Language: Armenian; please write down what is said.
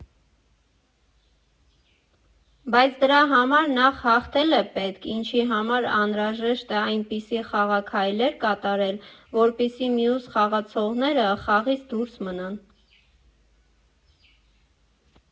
Բայց դրա համար նախ՝ հաղթել է պետք, ինչի համար անհրաժեշտ է այնպիսի խաղաքայլեր կատարել, որպեսզի մյուս խաղացողները խաղից դուրս մնան։